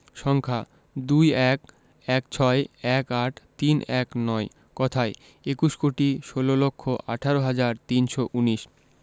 সংখ্যাঃ ২১ ১৬ ১৮ ৩১৯ কথায়ঃ একুশ কোটি ষোল লক্ষ আঠারো হাজার তিনশো উনিশ